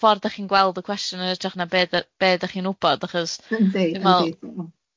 ffor 'da chi'n gweld y cwestiwn yn hytrach na be da- be 'dac chi'n wbod achos...Yndi yndi...